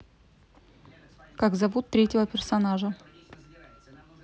как зовут третьего персонажа